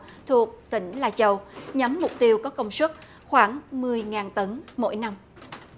thuộc tỉnh lai châu nhắm mục tiêu có công suất khoảng mười ngàn tấn mỗi năm